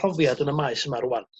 profiad yn y maes yma rŵan